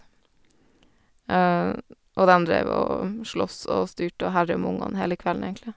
Og dem dreiv og sloss og styrte og herja med ungene hele kvelden, egentlig.